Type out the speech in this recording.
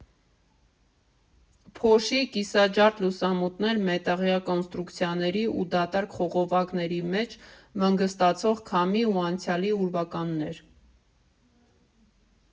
Փոշի, կիսաջարդ լուսամուտներ, մետաղյա կոնստրուկցիաների ու դատարկ խողովակների մեջ վնգստացող քամի ու անցյալի ուրվականներ.